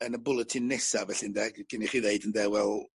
yn y bwletin nesa felly ynde cyn i chi ddeud ynde wel